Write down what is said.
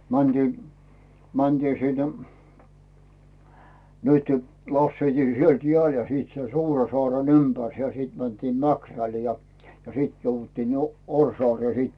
mentiin mentiin sinne nyt laskettiin sieltä jäälle ja sitten sen Suursaaren ympäri ja sitten mentiin Mäkrälle ja sitten jouduttiin jo Orjansaareen sitten